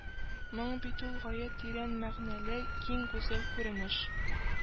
Моң бит ул гаять тирән мәгънәле, киң, гүзәл күренеш